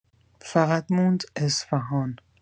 فقط موند اصفهان